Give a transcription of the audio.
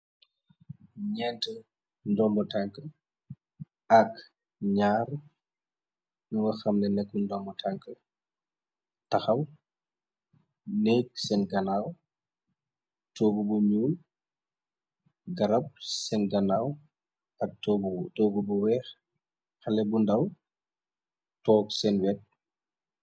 ñent ndombo tank ak ñaar na nga xamne nekku ndomb tank taxaw nekk seen ganaaw toob bu ñuul garab seen ganaaw ak toob bu weex xale bu ndaw toog seen wet